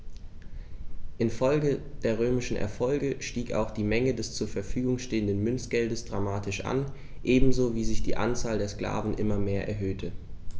Infolge der römischen Erfolge stieg auch die Menge des zur Verfügung stehenden Münzgeldes dramatisch an, ebenso wie sich die Anzahl der Sklaven immer mehr erhöhte.